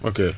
ok